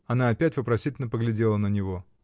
Она опять вопросительно поглядела на него.